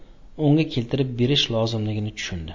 unga keltirib berish lozimligini tushundi